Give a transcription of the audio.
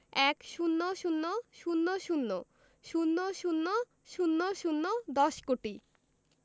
১০০০০০০০০ দশ কোটি